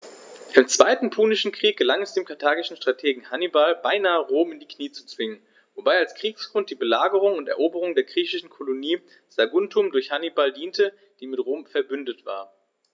Im Zweiten Punischen Krieg gelang es dem karthagischen Strategen Hannibal beinahe, Rom in die Knie zu zwingen, wobei als Kriegsgrund die Belagerung und Eroberung der griechischen Kolonie Saguntum durch Hannibal diente, die mit Rom „verbündet“ war.